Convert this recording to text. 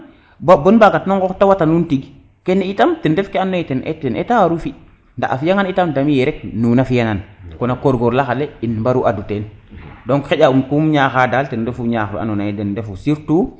ban bangat na ngoox te wata nuun tig kene itam ten ref ke ando naye ten Etat tena waru fi nda a fiya ngan itam damiye nuun a fiya nan kon a koor ngor laxa le in mbaru adu ten donc xaƴa kum ñaxa dal ten refu ñaax we aando naye den ndefu surtout